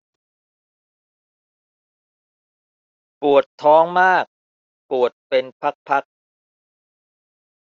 ปวดท้องมากปวดเป็นพักพัก